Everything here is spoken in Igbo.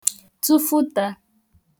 tụfụtā